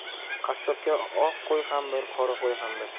qassobga oq qo'y ham bir qora qo'y ham bir